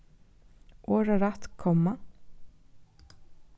orðarætt komma